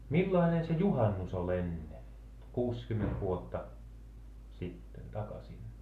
millainen se juhannus oli ennen kuusikymmentä vuotta sitten takaisin